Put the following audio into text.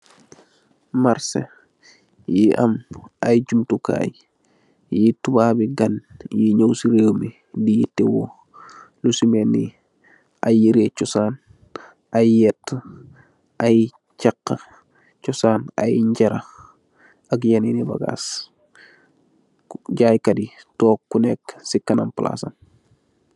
Marche yi am ay jumtukai yi tubabi gann yui nyow si reew me di yiteh woo yuse mel nee ay yereh chosan ay yeta ay chaha chosan ay njara ak yeneni bagass jaay kati tog kuneka si kanam palac sam.